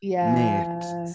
Yeah... Mate